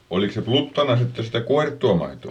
olikos se pluttana sitten sitä kuorittua maitoa